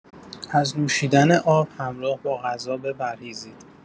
از نوشیدن آب همراه با غذا بپرهیزید.